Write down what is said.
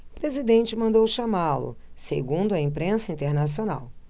o presidente mandou chamá-lo segundo a imprensa internacional